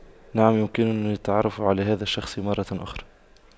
نعم يمكنني التعرف على هذا الشخص مرة أخرى